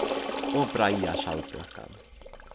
og breiða skjaldbøkan